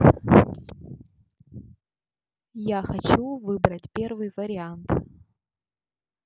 я хочу выбрать первый вариант